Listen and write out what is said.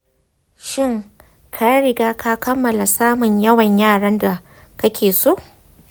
shin ka riga ka kammala samun yawan yaran da kake so?